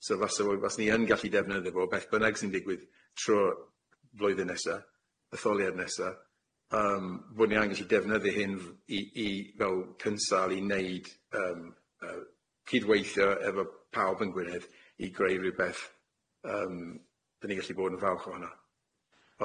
So faso bo' fas ni yn gallu defnyddio fo o beth bynnag sy'n digwydd trw'r flwyddyn nesa, etholiad nesa yym bo' ni an' gellu defnyddu hyn i i fel cynsal i neud yym yy cydweithio efo pawb yn gwiredd i greu rywbeth yym by' ni gallu bod yn falch o honno.